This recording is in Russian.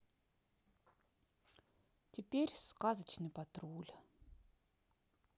теперь сказочный патруль